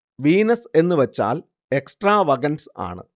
Venus എന്ന് വച്ചാൽ extravagance ആണ്